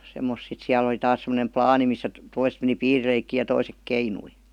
semmoista sitten siellä oli taas semmoinen laani missä - toiset meni piirileikkiä ja toiset keinui